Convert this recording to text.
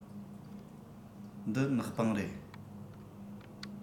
འདི ནག པང རེད